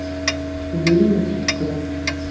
убери этот экран